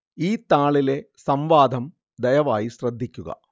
ഈ താളിലെ സംവാദം ദയവായി ശ്രദ്ധിക്കുക